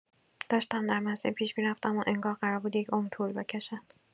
داشتم در مسیر پیش می‌رفتم و انگار قرار بود یک عمر طول بکشد.